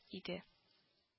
Иде